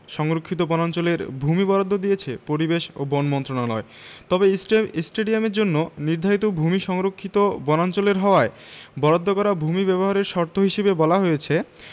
সংরক্ষিত বনাঞ্চলের ভূমি বরাদ্দ দিয়েছে পরিবেশ ও বন মন্ত্রণালয় তবে স্টেডিয়ামের জন্য নির্ধারিত ভূমি সংরক্ষিত বনাঞ্চলের হওয়ায় বরাদ্দ করা ভূমি ব্যবহারের শর্ত হিসেবে বলা হয়েছে